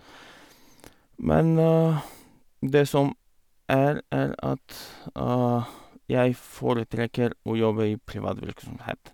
Men det som er, er at jeg foretrekker å jobbe i privat virksomhet.